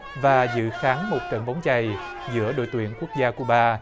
và dự khán một trận bóng chày giữa đội tuyển quốc gia cu ba